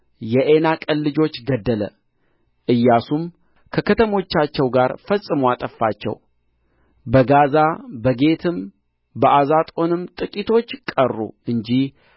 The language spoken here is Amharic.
የዔናቅን ልጆች ገደለ ኢያሱም ከከተሞቻቸው ጋር ፈጽሞ አጠፋቸው በጋዛ በጌትም በአዛጦንም ጥቂቶች ቀሩ እንጂ